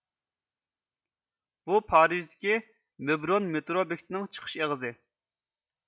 بۇ پارىژدىكى مېبرون مېترو بېكىتىنىڭ چىقىش ئېغىزى